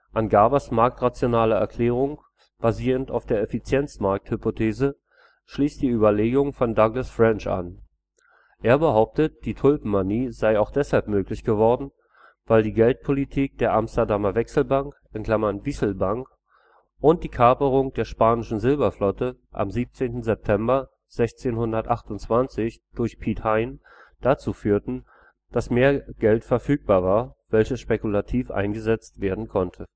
An Garbers marktrationale Erklärung, basierend auf der Effizienzmarkthypothese, schließt die Überlegung von Douglas French an. Er behauptet, die Tulpenmanie sei auch deshalb möglich geworden, weil die Geldpolitik der Amsterdamer Wechselbank (Wisselbank) und die Kaperung der Spanischen Silberflotte am 17. September 1628 durch Piet Heyn dazu führten, dass mehr Geld verfügbar war, welches spekulativ eingesetzt werden konnte